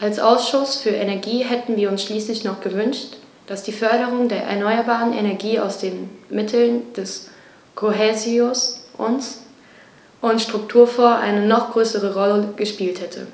Als Ausschuss für Energie hätten wir uns schließlich noch gewünscht, dass die Förderung der erneuerbaren Energien aus den Mitteln des Kohäsions- und Strukturfonds eine noch größere Rolle gespielt hätte.